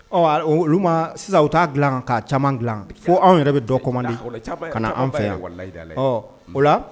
Olu ma sisan u t taa dila ka caman dila fo anw yɛrɛ bɛ dɔ ko na ka an fɛ